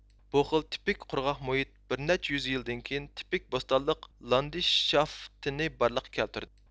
بۇ خىل تىپىك قۇرغاق مۇھىت بىر نەچچە يۈز يىلدىن كىيىن تىپىك بوستانلىق لاندىشافتىنى بارلىققا كەلتۈردى